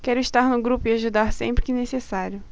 quero estar no grupo e ajudar sempre que necessário